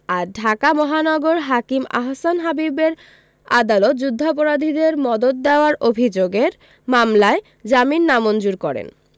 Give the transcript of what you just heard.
আর ঢাকা মহানগর হাকিম আহসান হাবীবের আদালত যুদ্ধাপরাধীদের মদদ দেওয়ার অভিযোগের মামলায় জামিন নামঞ্জুর করেন